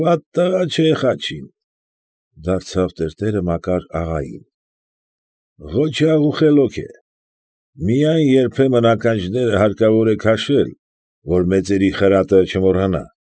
Վատ տղա չէ Խաչին, ֊ դարձավ տերտերը Մակար աղային, ֊ ղոչաղ ու խելոք է, միայն երբեմն ականջները հարկավոր է քաշել, որ մեծերի խրատը չմոռանա։ ֊